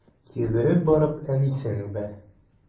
Йөгереп барып әнисен үбә.